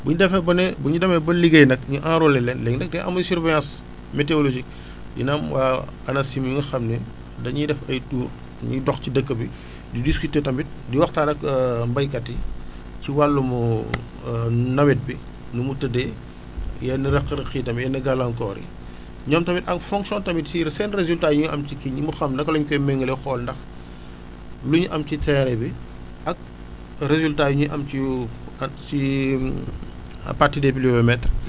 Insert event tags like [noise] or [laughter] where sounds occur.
bu ñu defee ba ne bu ñu demee ba liggéey nag ñu enroler leen léegi nag day am ay surveillance météologique [breath] dina am waa ANACIM yu nga xam ne dañuy def ay tours dañuy dox ci dëkk bi di discuter tamit di waxtaan ak [hesitation] béykat yi ci wàllum [hesitation] nawet bi nu mu tëddee yenn rëq-rëq yi tamit yenn gàllankoor yi ñoom tamit en fonction tamit ci seen résultats yi ñu am ci kii yi mu xam naka lañu koy méngalee xool ndax lu ñu am ci terrain bi ak résultat yi ñuy am ci [hesitation] ak ci [hesitation] à partir des pluviomètres